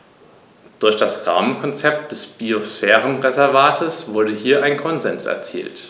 Durch das Rahmenkonzept des Biosphärenreservates wurde hier ein Konsens erzielt.